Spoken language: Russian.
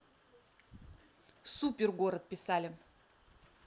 супер город писали